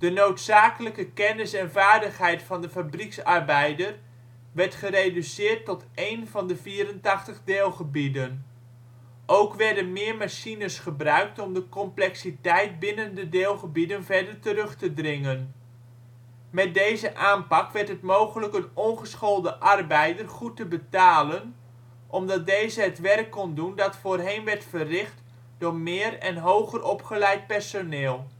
noodzakelijke kennis en vaardigheid van de fabrieksarbeider werd gereduceerd tot een van de 84 deelgebieden. Ook werden meer machines gebruikt om de complexiteit binnen de deelgebieden verder terug te dringen. Met deze aanpak werd het mogelijk een ongeschoolde arbeider goed te betalen omdat deze het werk kon doen dat voorheen werd verricht door meer en hoger opgeleid personeel